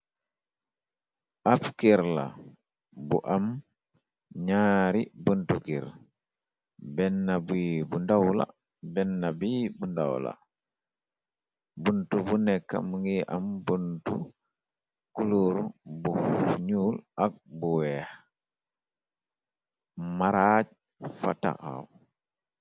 Ab kerr la bu am ñaari buntu gir benna bi bu ndawla, benna bi bu ndawla buntu bu nekka mu ngi am buntu klur bu nuul ak bu weex maraaj fa taxaw.